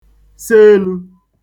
se elū